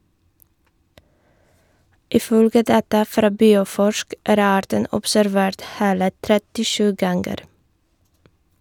Ifølge data fra Bioforsk, er arten observert hele 37 ganger.